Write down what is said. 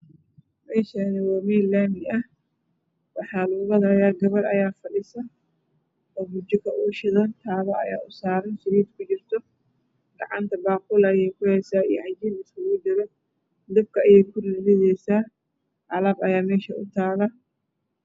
Meeshani waa meel laami ah waxaa lagu gadayaa gabadh ayaa fadhida oo bujiko u shidan tahy taabo ayaa usaran salid ku jirto gacanta baaquli ayaay kuhaysaa iyo cajin isugu jiro dabka ayaay ku ri ridaysaa alaab ayaa mesha utaala